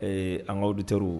Ee an'awdi terirw